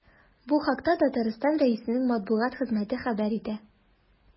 Бу хакта Татарстан Рәисенең матбугат хезмәте хәбәр итә.